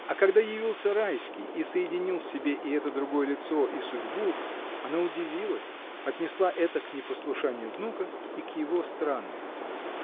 А когда явился Райский и соединил в себе и это другое лицо, и судьбу, она удивилась, отнесла это к непослушанию внука и к его странностям.